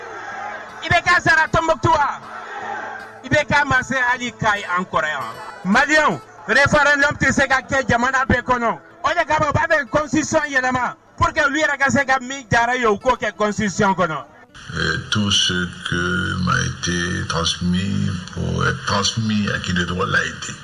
I bɛ ka setomɔ wa i bɛ kɛ ma se ali k ka an kɔrɔ yan mali refa tɛ se ka kɛ jamana bɛɛ kɔnɔ o gaba bɛsi yɛlɛmama u yɛrɛ ka se ka min jara ye o u k'o kɛ gsisi kɔnɔ tun se mayi a hakili tɔgɔ layi ten